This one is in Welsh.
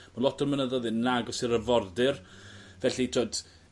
fem rillu mynd lannu dop mynyddodd melot o mynyddoedd yn yn agos i'r afordir felly